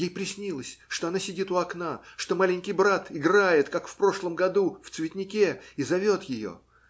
Ей приснилось, что она сидит у окна, что маленький брат играет, как в прошлом году, в цветнике и зовет ее.